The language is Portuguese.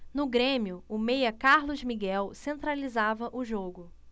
no grêmio o meia carlos miguel centralizava o jogo